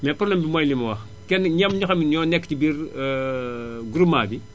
mais problème bi mooy li ma wax kenn ñi am ñoo nekk ci biir groupement bi